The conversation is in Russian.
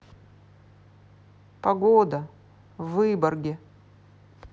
погода в выборге